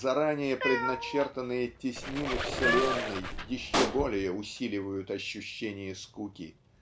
заранее предначертанные теснины вселенной еще более усиливают ощущение скуки.